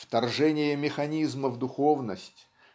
Вторжение механизма в духовность